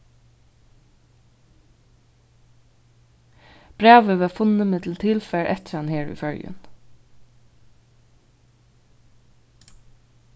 brævið varð funnið millum tilfar eftir hann her í føroyum